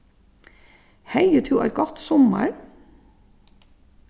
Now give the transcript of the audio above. hevði tú eitt gott summar